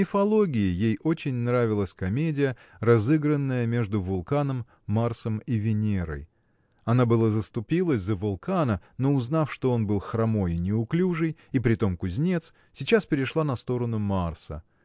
В мифологии ей очень понравилась комедия разыгранная между Вулканом Марсом и Венерой. Она было заступилась за Вулкана но узнав что он был хромой и неуклюжий и притом кузнец сейчас перешла на сторону Марса.